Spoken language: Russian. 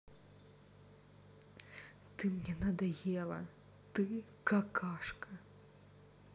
ты мне надоела ты какашка